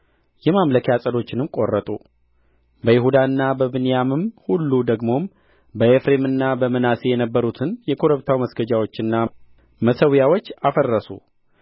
የማምለኪያ ዐፀዶቹንም ቈረጡ በይሁዳና በብንያምም ሁሉ ደግሞም በኤፍሬምና በምናሴ የነበሩትን የኮረብታው መስገጃዎችና መሠዊያዎች አፈረሱ